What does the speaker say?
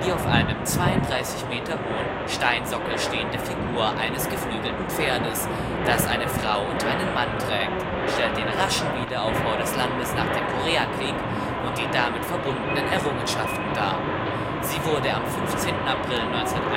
auf einem 32 Meter hohen Steinsockel stehende Figur eines geflügelten Pferdes, das eine Frau und einen Mann trägt, stellt den raschen Wiederaufbau des Landes nach dem Koreakrieg und die damit verbundenen Errungenschaften dar. Sie wurde am 15. April 1961